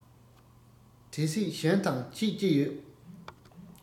དེ སྲིད གཞན དང ཁྱད ཅི ཡོད